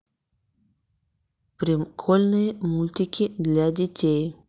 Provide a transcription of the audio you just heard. прикольные мультики для детей